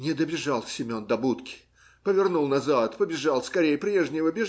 Не добежал Семен до будки, повернул назад, побежал скорее прежнего.